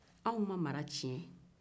aw mara tiɲɛ